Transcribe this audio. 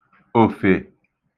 òfè